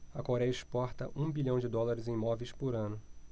a coréia exporta um bilhão de dólares em móveis por ano